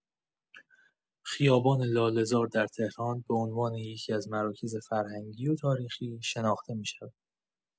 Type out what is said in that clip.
خیابان لاله‌زار در تهران به عنوان یکی‌از مراکز فرهنگی و تاریخی شناخته می‌شود.